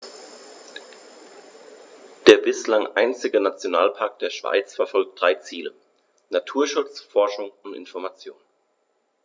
Der bislang einzige Nationalpark der Schweiz verfolgt drei Ziele: Naturschutz, Forschung und Information.